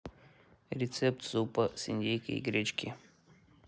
рецепт супа с индейки и гречки